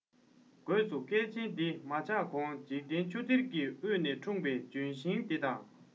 སྒོས སུ སྐལ ཆེན འདི མ ཆགས གོང འཇིག རྟེན ཆུ གཏེར གྱི དབུས ན འཁྲུངས པའི ལྗོན ཤིང དེ དང